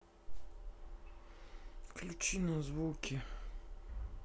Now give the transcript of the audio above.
включи на звуке